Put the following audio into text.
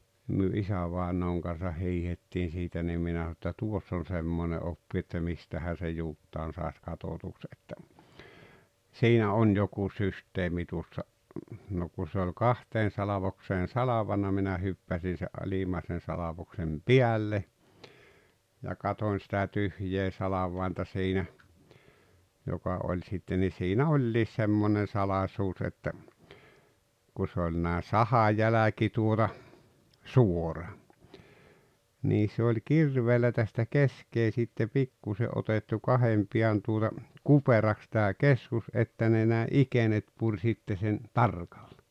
niin me isävainajaan kanssa hiihdettiin siitä niin minä sanoin että tuossa on semmoinen oppi että mistähän sen juuttaan saisi katsotuksi että siinä on joku systeemi tuossa no kun se oli kahteen salvokseen salvannut minä hyppäsin sen alimmaisen salvoksen päälle ja katsoin sitä tyhjää salvainta siinä joka oli sitten niin siinä olikin semmoinen salaisuus että kun se oli näin sahan jälki tuota suora niin se oli kirveellä tästä keskeen sitten pikkuisen otettu kahden pään tuota kuperaksi tämä keskus että ne nämä ikenet puri sitten sen tarkalle